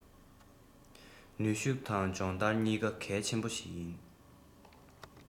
ནུས ཤུག དང སྦྱོང ལྟར གཉིས ཀ གལ ཆེན པོ ཡིན